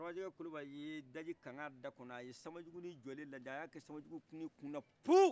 surakajɛkɛ kulubali ye daji kankan a da kɔnɔ a ye sanba juguni jɔle lajɛ a kɛ sanba jugni kuna tun